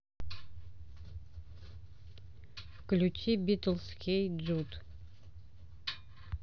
включи битлз хей джуд